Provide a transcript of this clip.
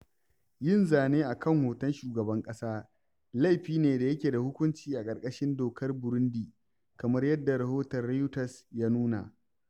Yin zane [a kan hoton shugaban ƙasa] laifi ne da yake da hukunci a ƙarƙashin dokar Burundi, kamar yadda rahoton Reuters ya nuna.